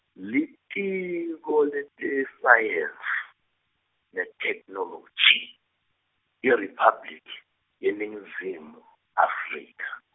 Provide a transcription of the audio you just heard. Litiko Letesayensi, neTheknoloji, IRiphabliki, yeNingizimu, Afrika.